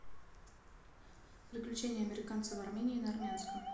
приключения американца в армении на армянском